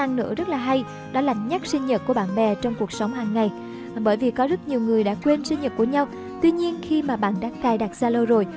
đó là nhắc sinh nhật của bạn bè trong cuộc sống hàng ngày bởi vì có rất nhiều người đã quên sinh nhật của của nhau tuy nhiên khi mà bạn đã cài đặt zalo rồi